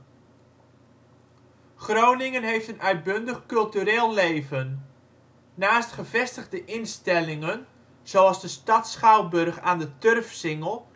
Groningen heeft een uitbundig cultureel leven. Naast gevestigde instellingen zoals de Stadsschouwburg aan de Turfsingel